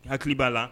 Hakili b'a la